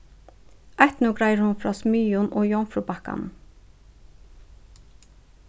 eitt nú greiðir hon frá smiðjum og jomfrúbakkanum